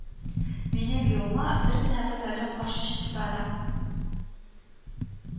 Минем юлыма бер генә батальон каршы чыкса да